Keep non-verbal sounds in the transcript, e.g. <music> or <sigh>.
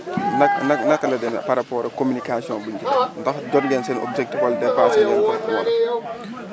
na na naka la demee par rapport ak communication buñ ci def <crosstalk> ndax jot ngeen seeni objectif wala dépassé ngeen ko wala <crosstalk>